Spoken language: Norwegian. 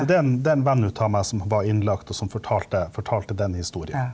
det er en det er en venn ut av meg som var innlagt og som fortalte fortalte den historien.